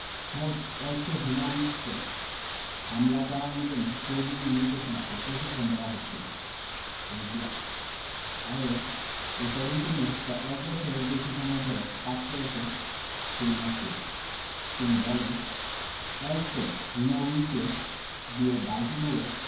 মোহাম্মদ এলসহিনাউয়িকে হামলা চালানোর জন্য প্রয়োজনীয় নির্দেশনা ও প্রশিক্ষণ দেওয়া হচ্ছিল এফবিআইয়ের এই তদন্ত নিয়ে প্রায় এক বছরের বেশি সময় ধরে কাজ করেছেন সেইমাস হিউজ তিনি বলেন এলসহিনাউয়িকে দিয়ে বাল্টিমোরে